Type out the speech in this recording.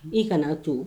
I kana' to